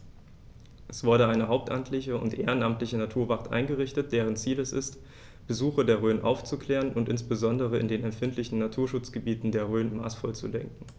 Es wurde eine hauptamtliche und ehrenamtliche Naturwacht eingerichtet, deren Ziel es ist, Besucher der Rhön aufzuklären und insbesondere in den empfindlichen Naturschutzgebieten der Rhön maßvoll zu lenken.